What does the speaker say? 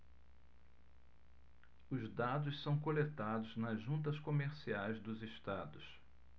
os dados são coletados nas juntas comerciais dos estados